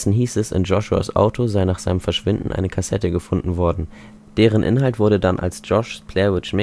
hieß es, in Joshuas Auto sei nach seinem Verschwinden eine Kassette gefunden worden. Deren Inhalt wurde dann als „ Josh’ s Blair Witch Mix